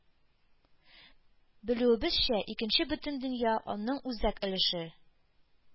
Белүебезчә, Икенче Бөтендөнья, аның үзәк өлеше